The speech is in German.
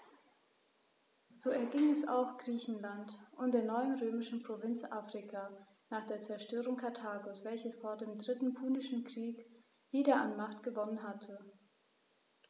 So erging es auch Griechenland und der neuen römischen Provinz Afrika nach der Zerstörung Karthagos, welches vor dem Dritten Punischen Krieg wieder an Macht gewonnen hatte.